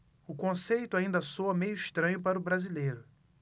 o conceito ainda soa meio estranho para o brasileiro